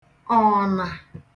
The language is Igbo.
ọ̀nà